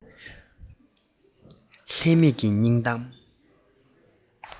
ལྷད མེད ཀྱི སྙིང གཏམ